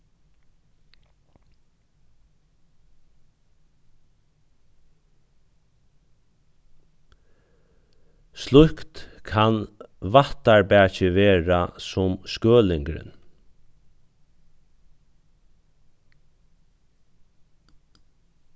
slíkt kann vattarbakið vera sum skølingurin